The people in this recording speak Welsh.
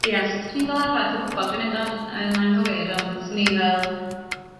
ia s- swn i'n fel arfar dwi'n gwbod dwi'n neud o'n yn anghywir ond swn i fel